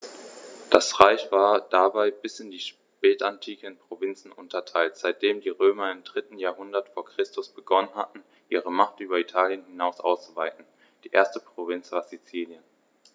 Das Reich war dabei bis in die Spätantike in Provinzen unterteilt, seitdem die Römer im 3. Jahrhundert vor Christus begonnen hatten, ihre Macht über Italien hinaus auszuweiten (die erste Provinz war Sizilien).